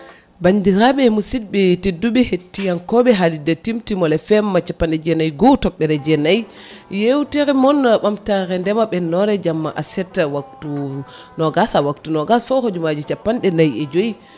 bandiraɓe musidɓe tedduɓe hettiyankoɓe haalirde Timtimol FM capanɗe jeenayyi e goho toɓɓere jeanyyi yewtere moon ɓamtare ndeema ɓennore jamma aste waktu nogas ha waktu nogas fawdu hojomaji capanɗe e joyyi